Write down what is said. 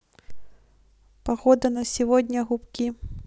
погода на сегодня губки